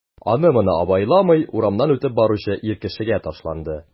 Аны-моны абайламый урамнан үтеп баручы ир кешегә ташланды...